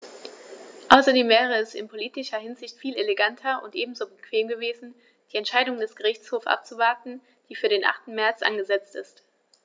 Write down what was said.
Außerdem wäre es in politischer Hinsicht viel eleganter und ebenso bequem gewesen, die Entscheidung des Gerichtshofs abzuwarten, die für den 8. März angesetzt ist.